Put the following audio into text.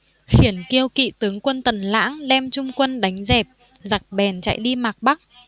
khiển kiêu kỵ tướng quân tần lãng đem trung quân đánh dẹp giặc bèn chạy đi mạc bắc